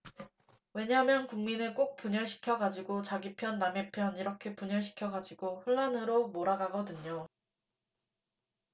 왜냐면 국민을 꼭 분열시켜가지고 자기 편 남의 편 이렇게 분열시켜가지고 혼란으로 몰아가거든요